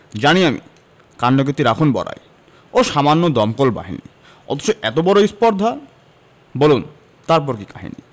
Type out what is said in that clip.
জানি আমি কাণ্ডকীর্তি রাখুন বড়াই ওহ্ সামান্য দমকল বাহিনী অথচ এত বড় স্পর্ধা বুলন তারপর কি কাহিনী